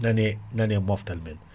nane nane moftal men